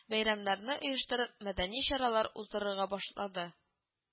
Бәйрәмнәрне оештырып, мәдәни чаралар уздырырга башлады